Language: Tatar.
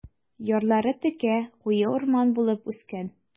Ярлары текә, куе урман булып үскән.